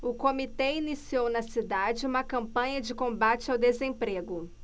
o comitê iniciou na cidade uma campanha de combate ao desemprego